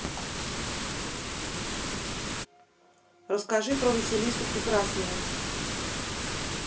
расскажи про василису прекрасную